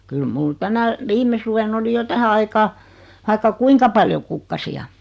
kyllä minulla tänä viime suvena oli jo tähän aikaan vaikka kuinka paljon kukkasia